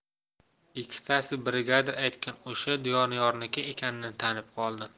ikkitasi brigadir aytgan o'sha doniyorniki ekanini tanib qoldim